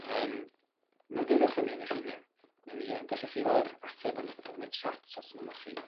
Yym, myfyriwch am hyn 'ych hunen. Newn ni yym gallech chi roi'r ateb yn y c- yn y chat os mynnwch chi.